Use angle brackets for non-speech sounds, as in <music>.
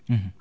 <hesitation> <hesitation>